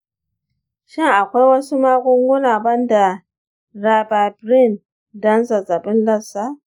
shin akwai wasu magunguna ban da ribavirin don zazzabin lassa?